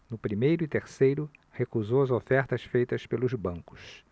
no primeiro e terceiro recusou as ofertas feitas pelos bancos